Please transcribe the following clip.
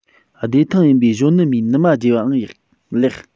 བདེ ཐང ཡིན པའི གཞོན ནུ མའི ནུ མ རྒྱས པའང ལེགས